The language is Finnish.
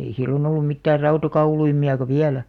ei silloin ollut mitään rautakauluimiakaan vielä